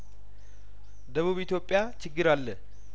ደቡብ ኢትዮጵያ ችግር አለ